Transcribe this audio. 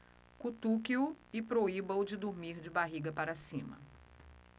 cutuque-o e proíba-o de dormir de barriga para cima